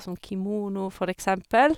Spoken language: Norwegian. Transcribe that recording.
Sånn kimono, for eksempel.